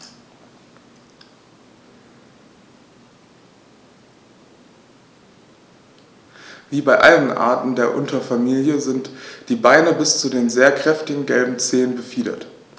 Wie bei allen Arten der Unterfamilie sind die Beine bis zu den sehr kräftigen gelben Zehen befiedert.